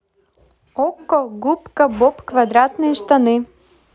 окко губка боб квадратные штаны